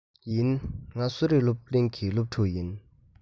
ཡིན ང གསོ རིག སློབ གླིང གི སློབ ཕྲུག ཡིན